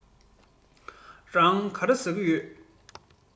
རང ག རེ ཟ གིན ཡོད